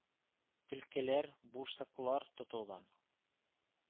Төлкеләр, бурсыклар тотылган.